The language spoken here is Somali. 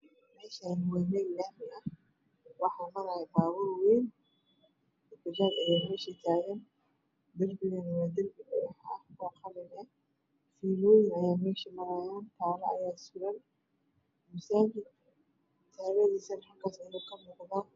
Meeshaan waa meel laami ah Waxaa maraya baabuur wayn. Bajaaj ayaa meesha taagan darbigana waa darbi dhagax a h oo qalin eh fiilooyin ayaa meesha maraayaan. Taalo ayaa suran masaajid taaladiisane xagaas ayaa ka muuqdaa.